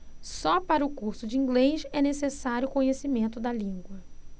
só para o curso de inglês é necessário conhecimento da língua